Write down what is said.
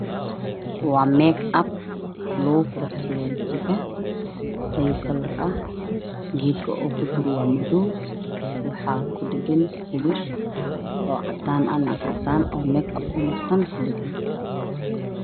Waa meek ab lagu qurux sado wajiga ayu kalar ah geedka uu ku jiro waa madow waxaa ku dhagan sawir oo cadaan naag cadaan oo meek ab u marsan ku dhagan.